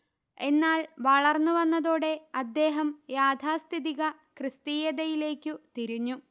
എന്നാൽ വളർന്നു വന്നതോടെ അദ്ദേഹം യാഥാസ്ഥിതിക ക്രിസ്തീയതയിലേക്കു തിരിഞ്ഞു